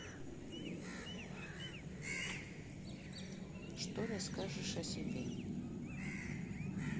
что расскажешь о себе